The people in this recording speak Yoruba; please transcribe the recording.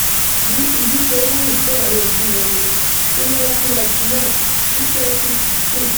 Bí igí ṣe ń wù sí àárín ojú irin ní 1999 sí 2015...